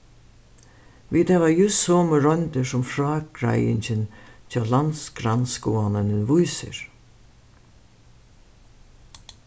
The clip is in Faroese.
vit hava júst somu royndir sum frágreiðingin hjá landsgrannskoðanini vísir